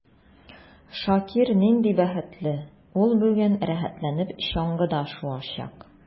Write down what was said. Шакир нинди бәхетле: ул бүген рәхәтләнеп чаңгыда шуачак.